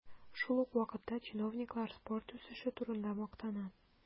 Шул ук вакытта чиновниклар спорт үсеше турында мактана.